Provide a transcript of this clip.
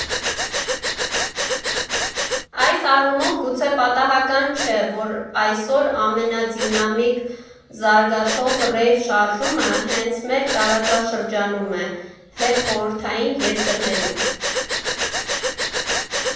Այս առումով, գուցե պատահական չէ, որ այսօր ամենադինամիկ զարգացող ռեյվ֊շարժումը հենց մեր տարածաշրջանում է՝ հետխորհրդային երկրներում։